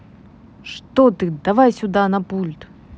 что ты давай сюда на пульт